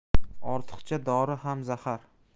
ortiqcha dori ham zahar